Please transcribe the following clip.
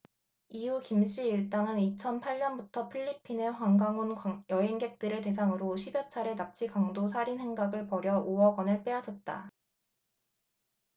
이후 김씨 일당은 이천 팔 년부터 필리핀에 관광온 여행객들을 대상으로 십 여 차례 납치 강도 살인 행각을 벌여 오 억원을 빼앗았다